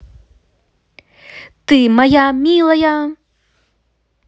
ты моя милая